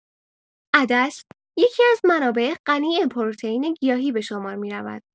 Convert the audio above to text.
عدس یکی‌از منابع غنی پروتئین گیاهی به شمار می‌رود.